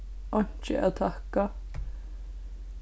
einki at takka